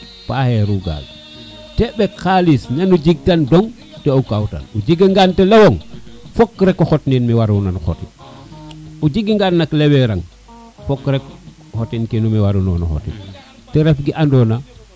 paxeru gaga te ɓek xalis neno jeg tan dong o kaw tan o jega ngan te lewong fok rek o xotnin me wara nona xot o jega ngan nak lewerang fok rek xotin kino me waranona xotin te ref ge ando na